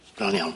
Bron iawn.